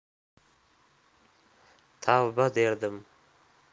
tavba derdim